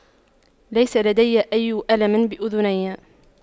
ليس لدي أي ألم بأذني